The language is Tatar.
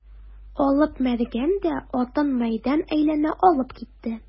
Алып Мәргән дә атын мәйдан әйләнә алып китте.